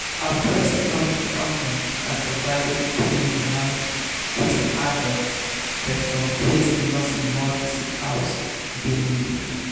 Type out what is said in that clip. A breast pump company has divided opinion online with an advert that compares nursing mothers to cows being milked.